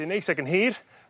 sy'n neis ag yn hir